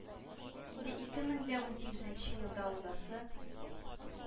Инде ике мең дә унсигезенче елда узасы